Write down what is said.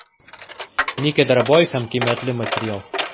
Никадәр бай һәм кыйммәтле материал!